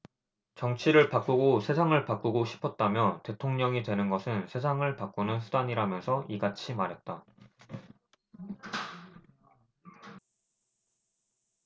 정치를 바꾸고 세상을 바꾸고 싶었다며 대통령이 되는 것은 세상을 바꾸는 수단이라면서 이같이 말했다